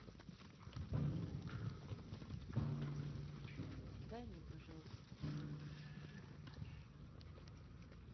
дай мне пожалуйста